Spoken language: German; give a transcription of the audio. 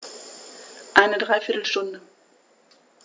Eine dreiviertel Stunde